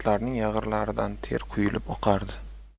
yag'rinlaridan ter quyilib oqardi